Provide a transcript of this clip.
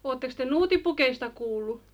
olettekos te nuuttipukeista kuullut